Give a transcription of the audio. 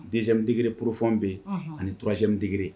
2ème dégré profond bɛ yen, unhun, ani 3ème dégré